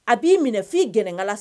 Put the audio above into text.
A b'i minɛ f'i gɛnɛkala